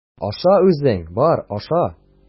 Аша үзең, бар, аша!